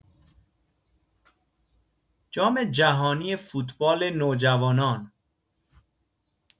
جام‌جهانی فوتبال نوجوانان